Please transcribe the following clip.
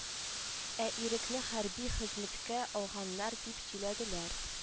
Ә ирекне хәрби хезмәткә алганнар дип сөйләделәр